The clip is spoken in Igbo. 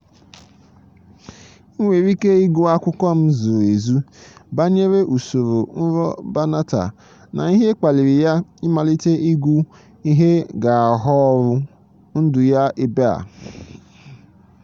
Ị nwere ike ịgụ akụkọ m zuru ezu banyere usoro nrọ Banatah na ihe kpaliri ya ịmalite igwu ihe ga-aghọ ọrụ ndụ ya ebe a: